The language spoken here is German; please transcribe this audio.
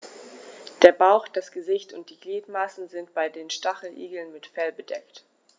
Der Bauch, das Gesicht und die Gliedmaßen sind bei den Stacheligeln mit Fell bedeckt.